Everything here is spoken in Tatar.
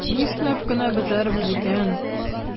Нишләп кенә бетәрбез икән?